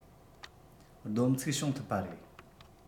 བསྡོམས ཚིག བྱུང ཐུབ པ རེད